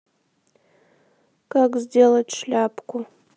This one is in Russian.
как сделать шляпку